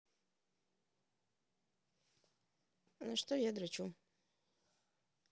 на что я дрочу